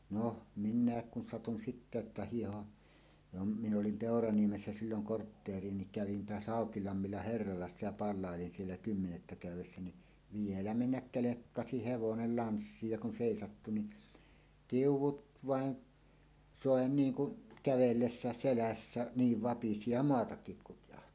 no minäkin kun satuin sitten että hiihdin jo - minä olin Peuraniemessä silloin kortteeria niin kävin taas Haukilammilla herralassa ja palvelin siellä kymmenettä käydessä niin vielä mennä kelkkasi hevonen lanssiin ja kun seisahtui niin tiu'ut vain soi niin kuin kävellessä selässä niin vapisi ja maatakin kutjahti